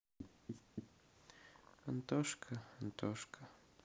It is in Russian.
антошка антошка